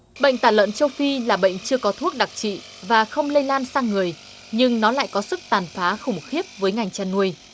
bệnh tả lợn châu phi là bệnh chưa có thuốc đặc trị và không lây lan sang người nhưng nó lại có sức tàn phá khủng khiếp với ngành chăn nuôi